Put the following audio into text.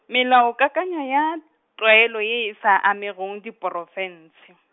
melaokakanywa, ya tlwaelo ye e sa amego diprofense .